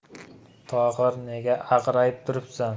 tohir nega ag'rayib turibsan